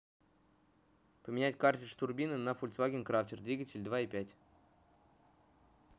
поменять картридж турбины на фольксваген крафтер двигатель два и пять